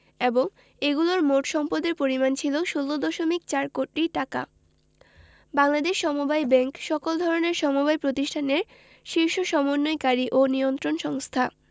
এবং এগুলোর মোট সম্পদের পরিমাণ ছিল ১৬দশমিক ৪ কোটি টাকা বাংলাদেশ সমবায় ব্যাংক সকল ধরনের সমবায় প্রতিষ্ঠানের শীর্ষ সমন্বয়কারী ও নিয়ন্ত্রণ সংস্থা